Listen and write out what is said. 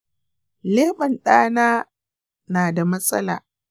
leɓen ɗana na da matsala.